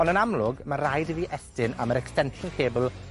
on' yn amlwg, ma raid i fi estyn am yr extension cable